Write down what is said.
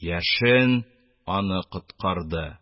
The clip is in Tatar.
Яшен аны коткарды.